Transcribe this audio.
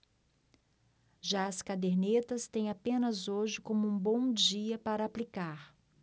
já as cadernetas têm apenas hoje como um bom dia para aplicar